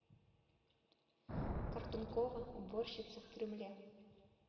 картункова уборщица в кремле